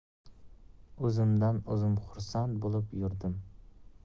o'zimdan o'zim xursand bo'lib yurdim